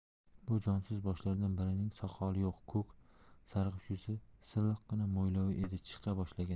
bu jonsiz boshlardan birining soqoli yo'q ko'k sarg'ish yuzi silliqqina mo'ylovi endi chiqa boshlagan